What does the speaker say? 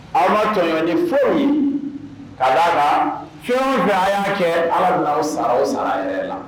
Aw ma tɔɲɔni foyi ye . Ka da kan fɛn o fɛn a ya kɛ, ala bi naw sara aw sara yɛrɛ la.